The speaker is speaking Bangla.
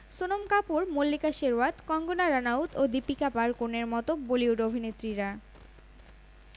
সোনম কাপুর মল্লিকা শেরওয়াত কঙ্গনা রানাউত ও দীপিকা পাড়–কোনের মতো বলিউড অভিনেত্রীরা